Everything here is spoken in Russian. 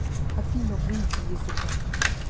афина выйди языка